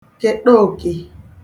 kèṭa òkè